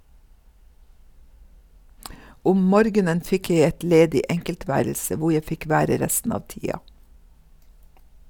Om morgenen fikk jeg et ledig enkeltværelse hvor jeg fikk være resten av tida.